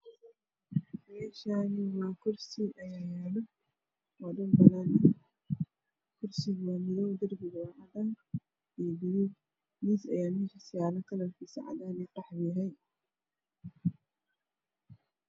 Meshsn kursi ayayalo waa dhul banan ah kursiga waa madow birbiga waa cadan io gaduud miis aya meshas yalo kalarkis cadan io qaxwi yahay